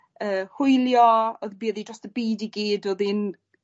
yy hwylio. Odd buodd 'i drost y byd i gyd odd 'i'n